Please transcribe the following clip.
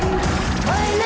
để